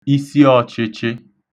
isiọ̄chị̄chị̄